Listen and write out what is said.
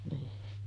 niin